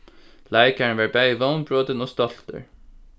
leikarin var bæði vónbrotin og stoltur